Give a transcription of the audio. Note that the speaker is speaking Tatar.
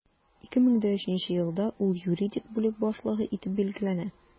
2003 елда ул юридик бүлек башлыгы итеп билгеләнә.